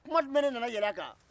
kuma jumɛn de nana yɛlɛn a kan